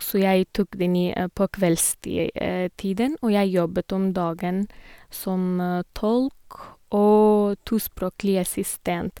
Så jeg tok den i på kveldstid tiden og jeg jobbet om dagen, som tolk og tospråklig assistent.